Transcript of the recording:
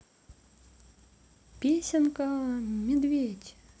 песенка медведь